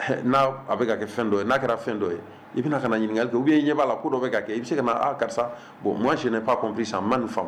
N'a a bɛ ka kɛ fɛn dɔ ye n'a kɛra fɛn dɔ ye i bɛna ɲininkaka kɛ u bɛ ye ɲɛ'a la ko dɔ bɛ kɛ i bɛ se ka karisa bon makan sen ne fisa san man nin faa